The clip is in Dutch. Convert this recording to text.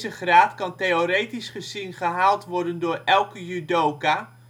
graad kan theoretisch gezien gehaald worden door elke judoka